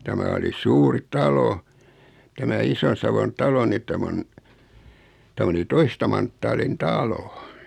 tämä oli suuri talo tämä Ison-Savon talo niin tämä on tämä oli toista manttaalin talo